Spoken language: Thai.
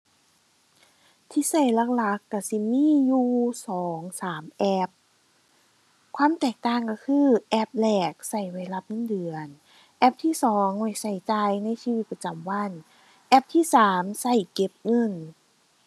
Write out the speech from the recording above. ที่ใช้หลักหลักใช้สิมีอยู่สองสามแอป ความแตกต่างใช้คือ แอปแรก ใช้ไว้รับเงินเดือน แอปที่สอง ไว้ใช้จ่ายในชีวิตประจำวัน แอปที่สาม ใช้เก็บเงิน